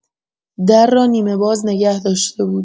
در را نیمه‌باز نگه داشته بود.